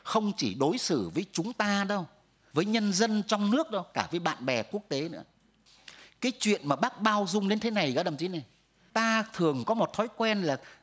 không chỉ đối xử với chúng ta đâu với nhân dân trong nước đâu cả với bạn bè quốc tế nữa cái chuyện mà bác bao dung đến thế này các đồng chí này ta thường có một thói quen